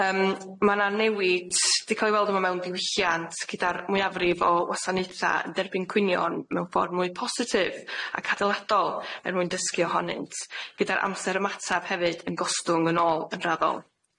Yym ma' 'na newid 'di ca'l 'i weld yma mewn diwylliant gyda'r mwyafrif o wasanaetha' yn derbyn cwynion mewn ffordd mwy positif ac adeiladol er mwyn dysgu ohonynt gyda'r amser ymatab hefyd yn gostwng yn ôl yn raddol.